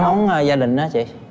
món gia đình đó chị